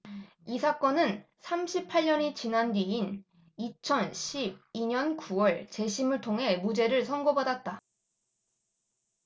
이 사건은 삼십 팔 년이 지난 뒤인 이천 십 이 년 구 월 재심을 통해 무죄를 선고받았다